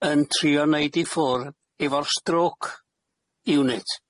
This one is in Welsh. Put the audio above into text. yn trio neud i ffwr' efo'r stroke unit